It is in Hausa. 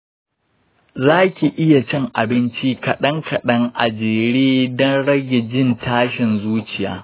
zaki iya cin abinci kaɗan kaɗan a jere don rage jin tashin zuciya